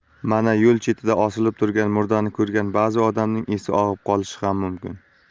mana yo'l chetida osilib turgan murdani ko'rgan ba'zi odamning esi og'ib qolishi ham mumkin